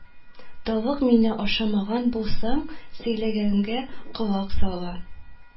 Тавык мие ашамаган булсаң, сөйләгәнгә колак сал